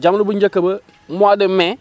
jamono bu njëkk ba mois de mais